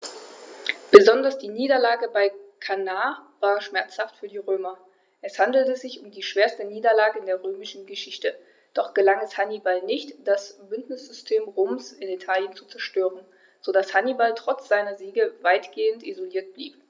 Besonders die Niederlage bei Cannae war schmerzhaft für die Römer: Es handelte sich um die schwerste Niederlage in der römischen Geschichte, doch gelang es Hannibal nicht, das Bündnissystem Roms in Italien zu zerstören, sodass Hannibal trotz seiner Siege weitgehend isoliert blieb.